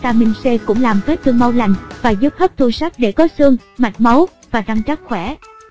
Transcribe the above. vitamin c cũng làm vết thương mau lành và giúp hấp thu sắt để có xương mạch máu và răng chắc khỏe